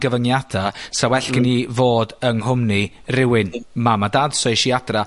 gyfyngiada', 'sa well gin i fod yng nghwmni rywun. Mam dad so esh i adra...